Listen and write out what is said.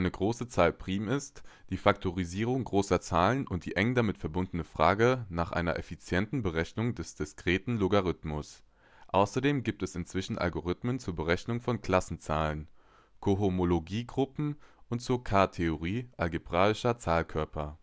große Zahl prim ist, die Faktorisierung großer Zahlen und die eng damit verbundene Frage nach einer effizienten Berechnung des diskreten Logarithmus. Außerdem gibt es inzwischen Algorithmen zur Berechnung von Klassenzahlen, Kohomologiegruppen und zur K-Theorie algebraischer Zahlkörper